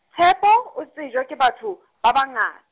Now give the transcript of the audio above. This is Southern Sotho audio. Tshepo, o tsejwa ke batho, ba banga-.